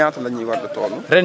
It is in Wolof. si ñaata la ñuy war di toll